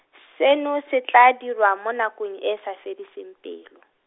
seno se tla dirwa mo nakong e sa fediseng pelo.